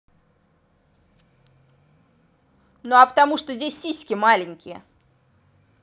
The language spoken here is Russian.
ну а потому что здесь сиськи маленькие